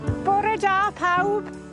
Bore da pawb.